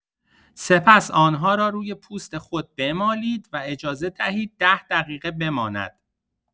سپس آن‌ها را روی پوست خود بمالید و اجازه دهید ۱۰ دقیقه بماند.